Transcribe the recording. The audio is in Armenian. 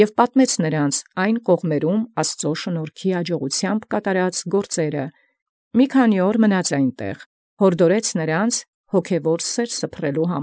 Եւ պատմեալ նոցա զգործս կողմանցն այնոցիկ ըստ աջողութեանց շնորհացն Աստուծոյ, դադարէր անդ աւուրս ինչ, մխիթարէր վասն հոգևոր անձուկն սփռելոյ։